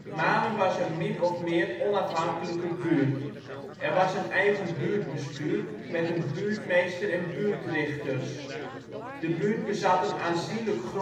Manen was een min of meer onafhankelijke buurt. Er was een eigen buurtbestuur met een buurtmeester en buurtrichters. De buurt bezat een aanzienlijk